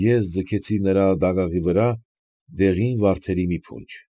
Ես ձգեցի նրա դագաղի վրա դեղին վարդերի մի փունջ։